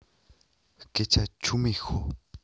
སྐད ཆ ཆོ མེད ཤོད